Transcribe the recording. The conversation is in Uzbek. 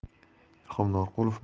ilhom norqulov markaziy